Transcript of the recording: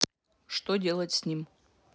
что делать с ним